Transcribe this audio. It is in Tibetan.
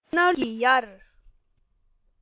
སྣ ལུད ཤུགས ཀྱིས ཡར